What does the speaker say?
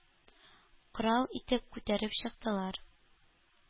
Корал итеп күтәреп чыктылар,